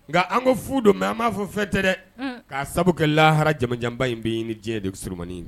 Nka an ko fu don mais an m'a fɔ lo fɛn tɛ dɛ , k'a sabu kɛ lahara jamajan ba in bɛ ɲini ni diɲɛ de surunmanin ye.